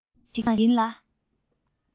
རྣམ གྲངས ཤིག ཡིན ལ